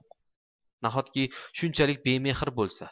nahotki shunchalik bemehr bo'lsa